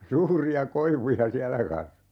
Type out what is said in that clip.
suuria koivuja siellä kasvoi